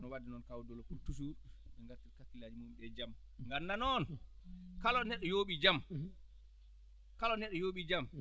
noon wadde noon kaw Doulo pour toujours yo ɓe ngartir kakkillaaji mumen ɗii e jam ngannda noon kala ɗo neɗɗo yooɓii jam kala ɗo neɗɗo yooɓii jam